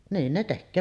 niin ne tekee